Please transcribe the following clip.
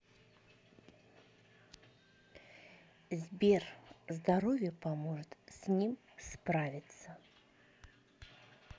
сбер здоровье поможет с ним справиться